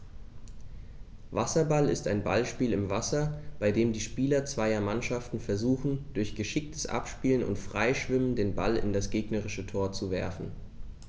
Wasserball ist ein Ballspiel im Wasser, bei dem die Spieler zweier Mannschaften versuchen, durch geschicktes Abspielen und Freischwimmen den Ball in das gegnerische Tor zu werfen.